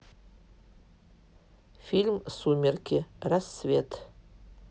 фильм сумерки рассвет